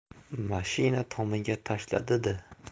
mashina tomiga tashladi da